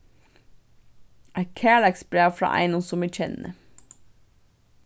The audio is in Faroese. eitt kærleiksbræv frá einum sum eg kenni